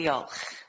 Diolch.